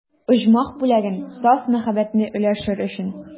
Оҗмах бүләген, саф мәхәббәтне өләшер өчен.